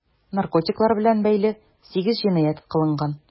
Наркотиклар белән бәйле 8 җинаять кылынган.